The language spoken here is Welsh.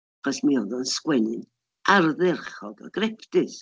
Achos mi oedd o'n sgwennu ardderchog o grefftus.